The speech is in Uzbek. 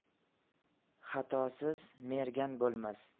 xatosiz mergan bo'lmas